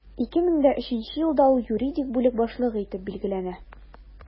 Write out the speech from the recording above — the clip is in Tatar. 2003 елда ул юридик бүлек башлыгы итеп билгеләнә.